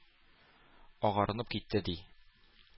Агарынып китте, ди.